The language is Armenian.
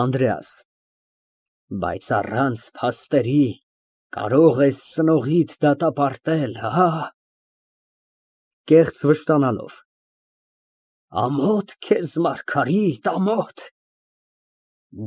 ԱՆԴՐԵԱՍ ֊ Բայց առանց փաստերի կարող ես ծնողիդ դատապարտել, հա՞։ (Կեղծ վշտանալով) Ամոթ քեզ, Մարգարիտ, ամոթ։